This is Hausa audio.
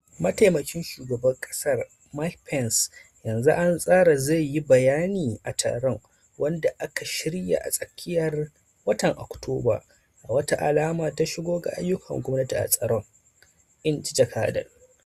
Mataimakin shugaban kasar Mike Pence yanzu an tsara zai yi bayani a taron, wanda aka shirya a tsakiyar watan Oktoba, a wata alama ta shigo da ayyukan gwamnati a taron, in ji jakadan.